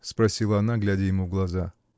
— спросила она, глядя ему в глаза.